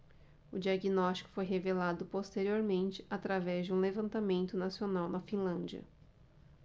o diagnóstico foi revelado posteriormente através de um levantamento nacional na finlândia